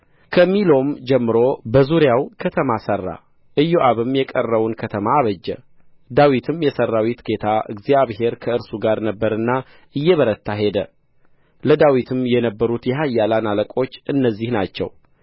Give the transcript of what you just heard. ከሚሎም ጀምሮ በዙሪያው ከተማ ሠራ ኢዮአብም የቀረውን ከተማ አበጀ ዳዊትም የሠራዊት ጌታ እግዚአብሔር ከእርሱ ጋር ነበርና እየበረታ ሄደ ለዳዊትም የነበሩት የኃያላን አለቆች እነዚህ ናቸው